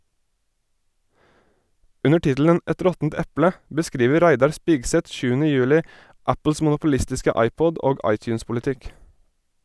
Under tittelen "Et råttent eple" beskriver Reidar Spigseth 7. juli Apples monopolistiske iPod- og iTunes-politikk.